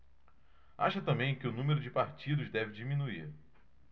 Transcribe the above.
acha também que o número de partidos deve diminuir